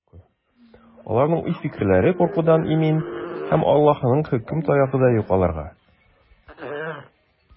Аларның уй-фикерләре куркудан имин, һәм Аллаһының хөкем таягы да юк аларга.